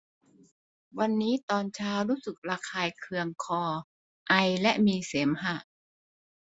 วันนี้ตอนเช้ารู้สึกระคายเคืองคอไอและมีเสมหะ